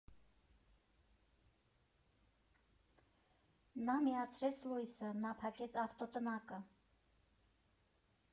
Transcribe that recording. Նա միացրեց լույսը, նա փակեց ավտոտնակը։